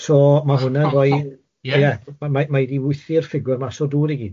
So ma hwnna'n rhoi ie ma ma ma ma hi wedi wythu'r ffigwr mas o'r dŵr i gyd.